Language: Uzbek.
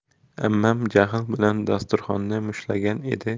ammam jahl bilan dasturxonni mushtlagan edi